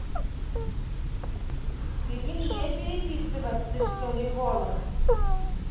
ты не мне переписываться что ли голос